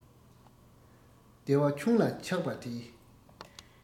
བདེ བ ཆུང ལ ཆགས པ དེས